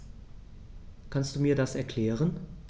Kannst du mir das erklären?